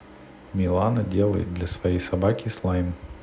милана делает для своей собаки слайм